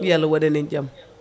yo Allah waɗan en jaam